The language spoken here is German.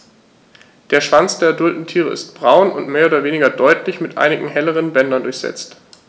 Der Schwanz der adulten Tiere ist braun und mehr oder weniger deutlich mit einigen helleren Bändern durchsetzt.